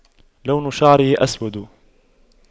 لون شعره أسود